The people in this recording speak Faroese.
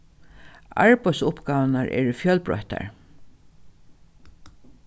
arbeiðsuppgávurnar eru fjølbroyttar